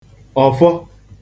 ọ̀fọ